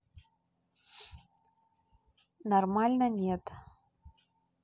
нормально нет